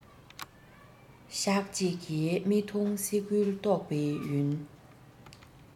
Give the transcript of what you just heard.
ཞག གཅིག གི རྨི ཐུང སེ གོལ གཏོག པའི ཡུན